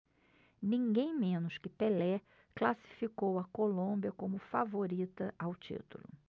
ninguém menos que pelé classificou a colômbia como favorita ao título